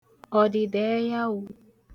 ọ̀dị̀dàẹyawụ̄